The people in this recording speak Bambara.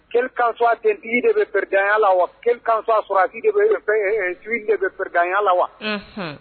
Kelenkansu a dentigi de bɛ pereya la wakansu a sɔrɔ a de bɛ e fɛ su de bɛereya la wa